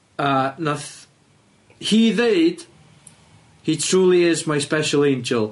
a nath hi ddeud, he truly is my special angel.